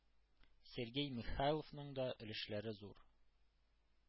Сергей Михайловның да өлешләре зур.